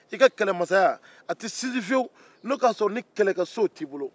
i ka kɛlɛmasaya tɛ sinsin fiyewu ni kɛlɛkɛsow t'i bolo